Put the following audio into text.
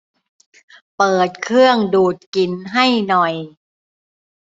เปิดเครื่องดูดกลิ่นให้หน่อย